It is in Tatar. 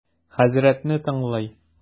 Хәзрәтне тыңлый.